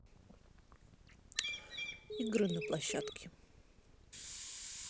игры на площадке